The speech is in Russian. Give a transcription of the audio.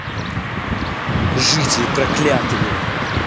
житель проклятые